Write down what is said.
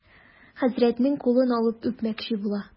Хәзрәтнең кулын алып үпмәкче була.